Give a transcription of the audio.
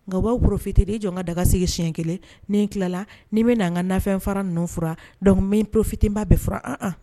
Nka baw pfittiri jɔ ka dagase siɲɛ kelen ni n tilala ni bɛna n' an ka nafɛn fara n ninnuf min porofitba bɛ furan an